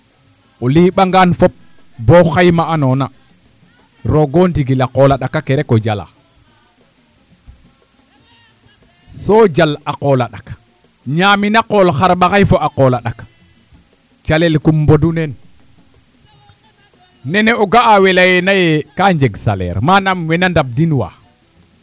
o liɓagaan fop boo xayma'anoona roog o ndigil a qool la ɗaka ke rek o jalaa soo jal a qool la ɗaq ñaamin a qool xaɓaxay fa a qool la ɗak calel kum mbodu neen nene o ga'a weeke layena ye kaa njeg salaire ;fra nam weena ndambdinwaa